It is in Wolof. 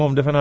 ci kaw